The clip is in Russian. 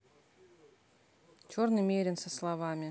черный мерин со словами